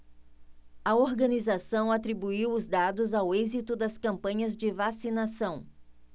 a organização atribuiu os dados ao êxito das campanhas de vacinação